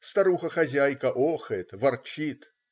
Старуха хозяйка охает, ворчит.